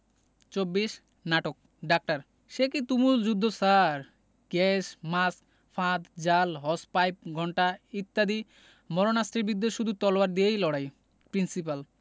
২৪ নাটক ডাক্তার সেকি তুমুল যুদ্ধ স্যার গ্যাস মাস্ক ফাঁদ জাল হোস পাইপ ঘণ্টা ইত্যাদি মারণাস্ত্রের বিরুদ্ধে শুধু তলোয়ার দিয়ে লড়াই প্রিন্সিপাল